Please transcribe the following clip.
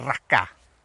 Raca.